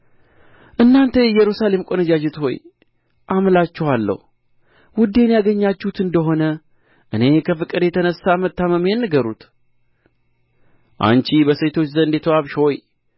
እናንተ የኢየሩሳሌም ቈነጃጅት ሆይ አምላችኋለሁ ውዴን ያገኛችሁት እንደ ሆነ እኔ ከፍቅር የተነሣ መታመሜን ንገሩት አንቺ በሴቶች ዘንድ የተዋብሽ ሆይ